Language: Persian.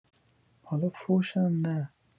حالا فحشم نه